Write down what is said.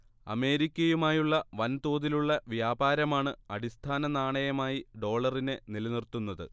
അമേരിക്കയുമായുള്ള വൻതോതിലുള്ള വ്യാപാരമാണ് അടിസ്ഥാന നാണയമായി ഡോളറിനെ നിലനിർത്തുന്നത്